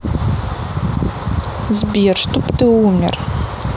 сбер что бы ты умер